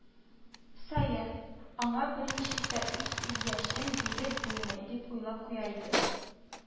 Саен, аңа берничек тә үз яшен биреп булмый дип уйлап куя идем